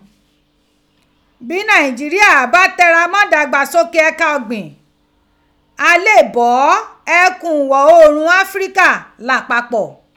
Bí Nàìjíríà bá tẹra mọ́ ìdàgbàsókè ẹ̀ka ọ̀gbìn, gha leè bọ́ ẹ̀kun ìwọ̀ oòrùn Áfíríkà lapapọ